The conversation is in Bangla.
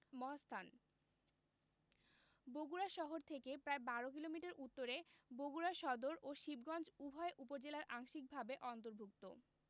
মহাস্থান বগুড়া শহর থেকে প্রায় ১২ কিলোমিটার উত্তরে বগুড়া সদর ও শিবগঞ্জ উভয় উপজেলায় আংশিকভাবে অন্তর্ভুক্ত